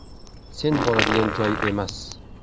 sen boradigan joy emas